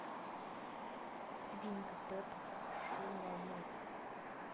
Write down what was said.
свинка пеппа шумная ночь